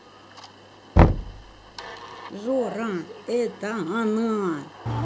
жора это она